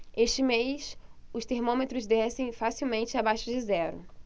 este mês os termômetros descem facilmente abaixo de zero